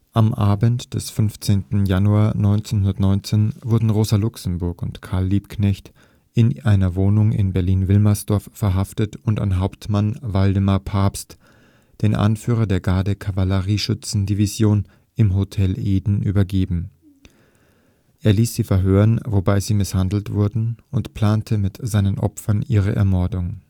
Am Abend des 15. Januar 1919 wurden Rosa Luxemburg und Karl Liebknecht in einer Wohnung in Berlin-Wilmersdorf verhaftet und an Hauptmann Waldemar Pabst, den Anführer der Garde-Kavallerie-Schützen-Division, im Hotel Eden übergeben. Er ließ sie verhören, wobei sie misshandelt wurden, und plante mit seinen Offizieren ihre Ermordung